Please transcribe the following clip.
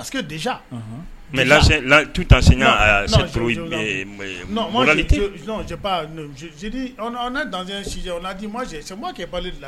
Parce que déjà, mais lensei tout enseignant je dis on est dans un sujet on a dis moi j'ai c'est moi qui es parlé de la